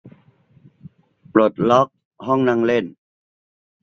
ปลดล็อกห้องนั่งเล่น